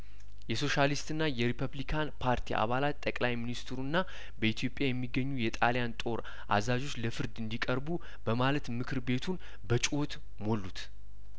የሶሻሊስትና የሪፐብሊካን ፓርቲ አባላት ጠቅላይሚኒስትሩና በኢትዮጵያ የሚገኙ የጣሊያን ጦር አዛዦች ለፍርድ እንዲ ቀርቡ በማለት ምክርቤቱን በጩኸት ሞሉት